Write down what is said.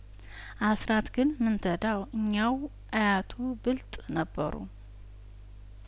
አስራት ግን ምን ተዳው እኛው አያቱ ብልጥ ነበሩ